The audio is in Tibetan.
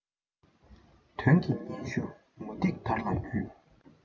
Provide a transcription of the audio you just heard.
དོན གྱི སྙན ཞུ མུ ཏིག དར ལ བརྒྱུས